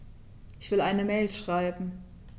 Ich will eine Mail schreiben.